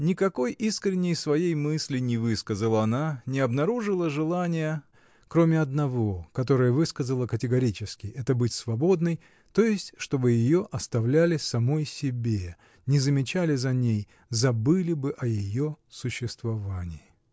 Никакой искренней своей мысли не высказала она, не обнаружила желания, кроме одного, которое высказала категорически, — это быть свободной, то есть чтобы ее оставляли самой себе, не замечали за ней, забыли бы о ее существовании.